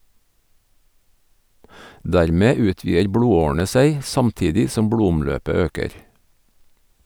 Dermed utvider blodårene seg, samtidig som blodomløpet øker.